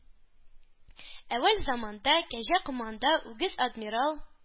Әүвәл заманда, кәҗә команда, үгез адмирал,